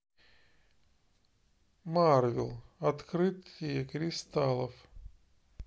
марвел открытие кристаллов